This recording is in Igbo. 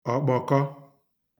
ọ̀kpọ̀kọ